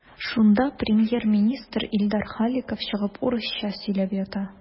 Шунда премьер-министр Илдар Халиков чыгып урысча сөйләп ята.